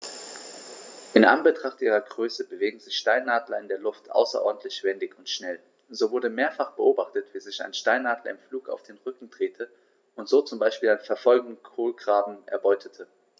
In Anbetracht ihrer Größe bewegen sich Steinadler in der Luft außerordentlich wendig und schnell, so wurde mehrfach beobachtet, wie sich ein Steinadler im Flug auf den Rücken drehte und so zum Beispiel einen verfolgenden Kolkraben erbeutete.